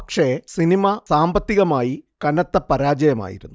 പക്ഷേ സിനിമ സാമ്പത്തികമായി കനത്ത പരാജയമായിരുന്നു